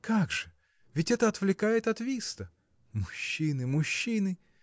Как же, ведь это отвлекает от виста! Мужчины, мужчины!